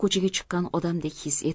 chiqqan odamdek his etib